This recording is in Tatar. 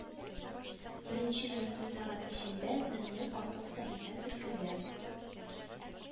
Беренче ярты сәгать эчендә меңнән артык сәхифә теркәлгән